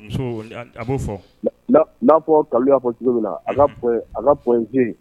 Muso a bo fɔ . Na fɔ kalilu ya fɔ cogo min na ka fɛ